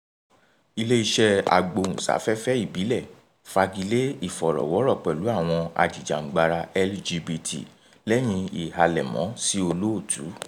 Ilé-iṣẹ́ Agbóhùnsáfẹ́fẹ́ Ìbílẹ̀ Fagilé Ìfọ̀rọ̀wọ́rọ̀ pẹ̀lú àwọn ajìjàǹgbara LGBT lẹ́yìn ìhalẹ̀mọ́ sí olóòtú